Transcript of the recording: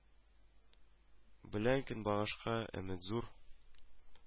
Белән көнбагышка өмет зур